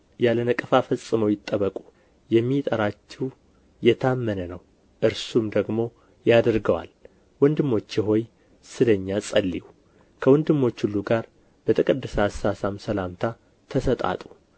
ያለ ነቀፋ ፈጽመው ይጠበቁ የሚጠራችሁ የታመነ ነው እርሱም ደግሞ ያደርገዋል ወንድሞች ሆይ ስለ እኛ ጸልዩ ከወንድሞች ሁሉ ጋር በተቀደሰ አሳሳም ሰላምታ ተሰጣጡ